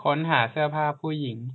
ค้นหาเสื้อผ้าผู้หญิง